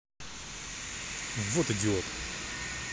вот идиот